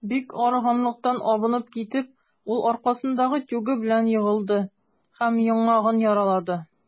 Бик арыганлыктан абынып китеп, ул аркасындагы тюгы белән егылды һәм яңагын яралады.